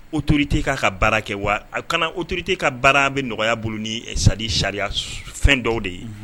Oto te k'a ka baara kɛ wa a kana oto te ka baara bɛ nɔgɔya bolo ni sa sariya fɛn dɔw de ye